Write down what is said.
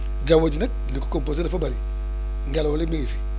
jaww ji nag li ko composé dafa bëri ngelaw li mi ngi fi